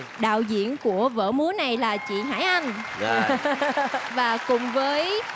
đạo diễn của vở múa này là chị hải anh và cùng với